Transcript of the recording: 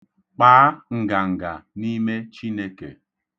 Kpaa nganga n'ime Chineke.